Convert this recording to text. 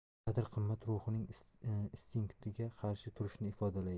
qadr qimmat ruhning instinktga qarshi turishini ifodalaydi